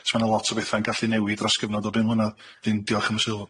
'chos ma' 'na lot o betha'n gallu newid dros gyfnod o bum mlynadd, 'dyn diolch am y sylw.